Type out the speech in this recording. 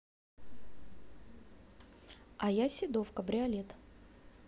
а я седов кабриолет